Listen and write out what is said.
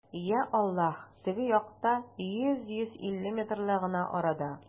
Йа Аллаһ, теге якта, йөз, йөз илле метрлы гына арада!